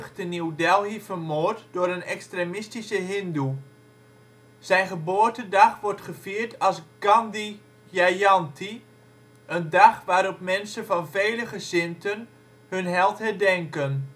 te New Delhi vermoord door een extremistische hindoe. Zijn geboortedag wordt gevierd als Gandhi Jayanti, een dag waarop mensen van vele gezindten hun held herdenken